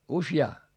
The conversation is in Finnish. useaan